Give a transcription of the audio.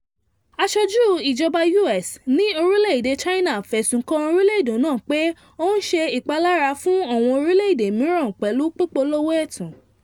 Aṣojú ìjọba US ní orílẹ̀èdè China fẹ̀sùn kan orílẹ̀èdè náà pé ó ń ṣe ìpalára fún àwọn orílẹ̀èdè mìíràn pẹ̀lú pípolówó ẹ̀tàn.